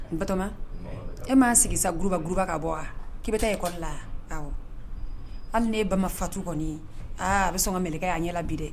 Batɔma e m'a sigi sa guruba guruba ka bɔ wa k'i bɛ taa ekɔli wa hali n'e ba man fatu kɔni aa a bɛ sɔn ka mɛlɛkɛ ye a ɲɛla bi dɛ.